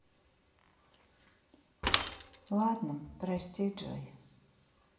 ладно прости джой